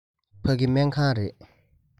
ཕ གི སྨན ཁང རེད